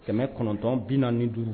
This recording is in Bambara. Kɛmɛ kɔnɔntɔn bin nin duuru